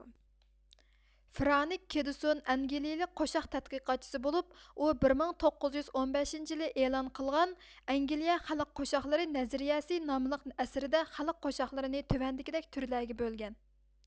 فرانك كىدسون ئەنگىلىيىلىك قوشاق تەتقىقاتچىسى بولۇپ ئۇ بىر مىك توققۇز يۇز ئون بەشىنچى يىلى ئېلان قىلغان ئەنگىلىيە خەلق قوشاقلىرى نەزەرىيىسى ناملىق ئەسىرىدە خەلق قوشاقلىرىنى تۆۋەندىكىدەك تۈرلەرگە بۆلگەن